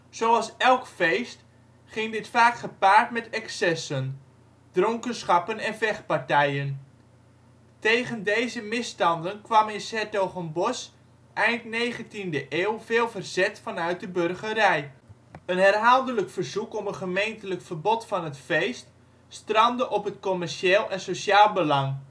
Zoals elk feest ging dit vaak gepaard met excessen: dronkenschappen en vechtpartijen. Tegen deze " misstanden " kwam in ' s-Hertogenbosch eind 19e eeuw veel verzet vanuit de burgerij. Een herhaaldelijk verzoek om een gemeentelijk verbod van het feest strandde op het commercieel en sociaal belang